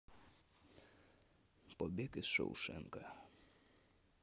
побег из шоушенка